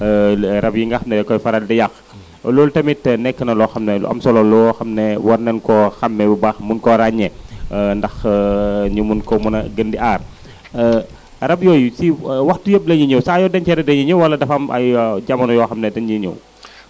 rab yi nga xam ne da koy faral di yàq loolu tamit nekk na loo xam ne lu am solo la loo xam ne war nan koo xàmme bu baax mën koo ràññee ndax ñu mën ko mën a gën di aar rab yooyu ci waxtu yëpp la ñuy ñëw saa yoo dencee rek dañuy ñëw wala dafa am ay jamono yoo xam ne dañuy ñëw